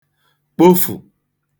kpofụ̀